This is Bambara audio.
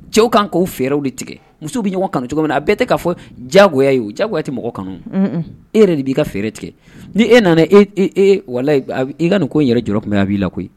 Cɛw kan k ko fɛw de tigɛ muso bɛ ɲɔgɔn kanu cogo min na a bɛɛ k'a fɔ jagoya jago kuyate mɔgɔ kanu e yɛrɛ de b'i ka fɛ fɛrɛɛrɛ tigɛ ni e nana ee wa i ka nin ko n yɛrɛ jɔ kɔnɔ a b'i la koyi